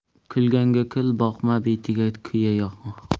kulganga kula boqma betiga kuya yoqma